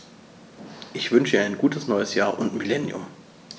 Ich wünsche Ihnen ein gutes neues Jahr und Millennium.